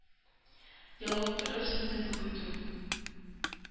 Ялыктырыр сине бу көтү.